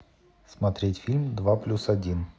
смотреть фильм два плюс один